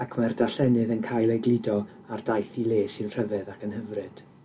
ac mae'r darllenydd yn cael ei gludo ar daith i le sy'n rhyfedd ac yn hyfryd.